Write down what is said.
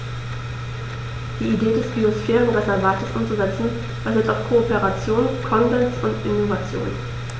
Die Idee des Biosphärenreservates umzusetzen, basiert auf Kooperation, Konsens und Innovation.